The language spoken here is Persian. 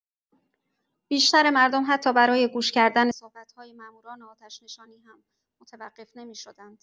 بیشتر مردم حتی برای گوش‌کردن صحبت‌های ماموران آتش‌نشانی هم متوقف نمی‌شدند.